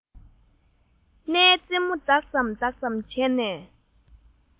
སྣའི རྩེ མོ ལྡག ཙམ ལྡག ཙམ བྱས ནས